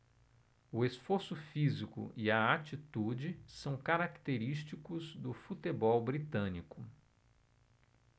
o esforço físico e a atitude são característicos do futebol britânico